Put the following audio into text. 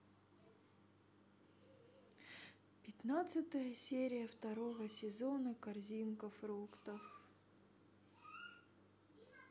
пятнадцатая серия второго сезона корзинка фруктов